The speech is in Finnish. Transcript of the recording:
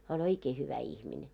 hän oli oikein hyvä ihminen